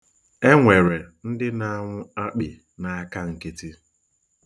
E nwere ndị na-anwụ akpị n'aka nkịtị.